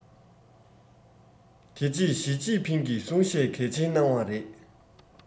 དེ རྗེས ཞིས ཅིན ཕིང གིས གསུང བཤད གལ ཆེན གནང བ རེད